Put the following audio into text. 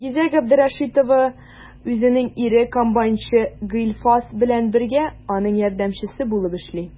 Илгизә Габдрәшитова үзенең ире комбайнчы Гыйльфас белән бергә, аның ярдәмчесе булып эшли.